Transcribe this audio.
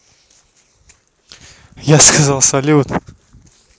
я сказала салют